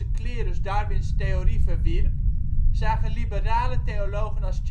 clerus Darwins theorie verwierp, zagen liberale theologen als